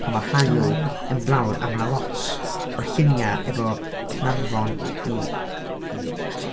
Pan mae'r haul... O, ia... yn mynd lawr a mae 'na lot o'r lluniau efo Caernarfon wedi'i...